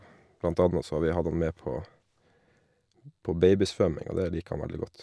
Blant anna så har vi hatt han med på på babysvømming, og det liker han veldig godt.